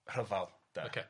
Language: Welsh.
rhyfal 'de. Ocê.